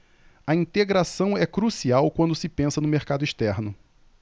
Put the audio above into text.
a integração é crucial quando se pensa no mercado externo